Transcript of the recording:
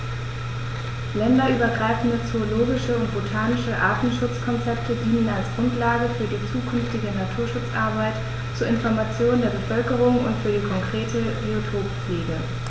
Länderübergreifende zoologische und botanische Artenschutzkonzepte dienen als Grundlage für die zukünftige Naturschutzarbeit, zur Information der Bevölkerung und für die konkrete Biotoppflege.